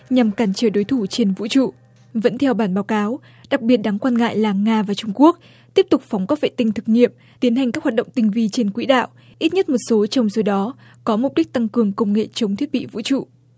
nhằm cản trở đối thủ trên vũ trụ vẫn theo bản báo cáo đặc biệt đáng quan ngại là nga và trung quốc tiếp tục phóng các vệ tinh thực nghiệm tiến hành các hoạt động tinh vi trên quỹ đạo ít nhất một số trong số đó có mục đích tăng cường công nghệ chống thiết bị vũ trụ